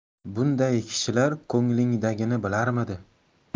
bunday kishilar ko'nglingdagini bilarmidi